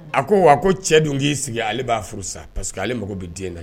A ko wa ko cɛ dun k'i sigi ale b'a furu sa parce queseke ale mako bɛ den la